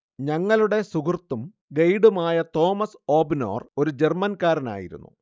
ഞങ്ങളുടെ സുഹൃത്തും ഗൈഡുമായ തോമസ് ഓബ്നോർ ഒരു ജർമൻകാരനായിരുന്നു